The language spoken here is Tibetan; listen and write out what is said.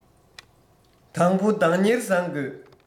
དང བོ བདག གཉེར བཟང དགོས